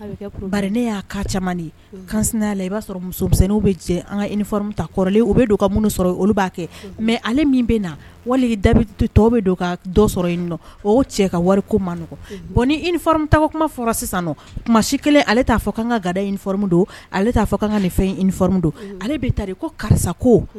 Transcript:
'aw ka talen ka minnu sɔrɔ'a kɛ mɛ ale bɛ na wali da tɔw bɛ sɔrɔ o cɛ ka wari ko man nɔgɔ ta kuma fɔlɔ sisan tumasi kelen ale t'a fɔ ka ka ga don ale fɔ ka ka don ale bɛ ta ko karisa